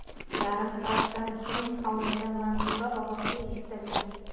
yarim soatdan so'ng hovlida manzura ovozi eshitildi